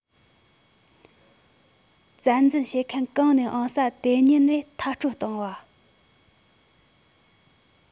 བཙན འཛུལ བྱེད མཁན གང ནས འོང ས དེ ཉིད ནས མཐའ སྐྲོད གཏོང བ